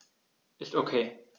Ist OK.